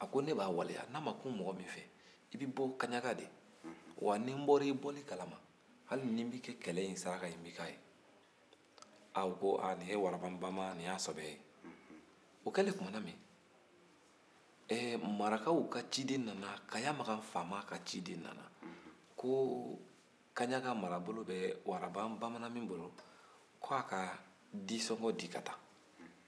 a ko ne b'a waleya n'a ma kun mɔgɔ min fɛ i bɛ bɔ kaɲaga de wa ni n bɔra i bɔli kalama hali ni n b'i kɛ kɛlɛ in saraka u ko a nin ye waraban baman ni y'a sɛbɛ ye o kɛlen tumana min marakaw ka ciden nana kaya makan ka ciden nana ko kaɲaga marabolo bɛ waraban bamanan min bolo k'a ka disɔngɔn di ka taa